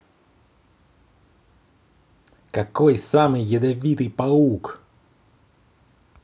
какой самый ядовитый паук